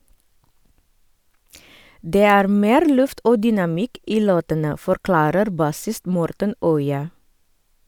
Det er mer luft og dynamikk i låtene, forklarer bassist Morten Øya.